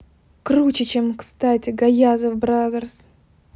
круче чем кстати гаязов brothers